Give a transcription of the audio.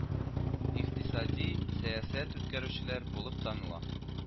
Икътисади сәясәт үткәрүчеләр булып таныла